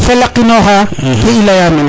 a felo qino xa ke i leya mene